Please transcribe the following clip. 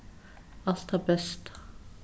alt tað besta